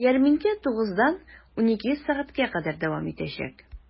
Ярминкә 9 дан 12 сәгатькә кадәр дәвам итәчәк.